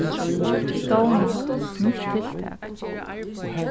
stovna nýtt tiltak